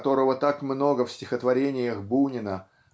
которого так много в стихотворениях Бунина